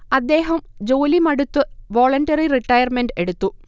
അദ്ദേഹം ജോലി മടുത്തു വോളണ്ടറി റിട്ടയർമെന്റ് എടുത്തു